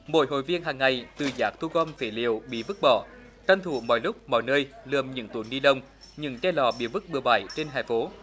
mỗi hội viên hằng ngày tự giác thu gom phế liệu bị vứt bỏ tranh thủ mọi lúc mọi nơi lượm những túi ni lông những chai lọ bị vứt bừa bãi trên hè phố